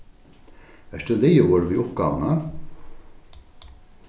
ert tú liðugur við uppgávuna